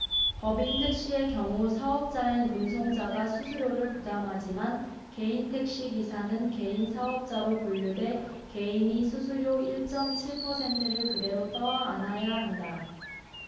법인택시의 경우 사업자인 운송사가 수수료를 부담하지만 개인택시 기사는 개인사업자로 분류돼 개인이 수수료 일 쩜 칠 퍼센트를 그대로 떠안아야 한다